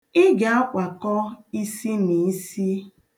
Ị ga-akwakọ isiniisi.